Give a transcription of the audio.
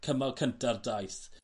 cymal cynta'r daith.